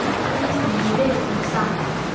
песня не верь этим псам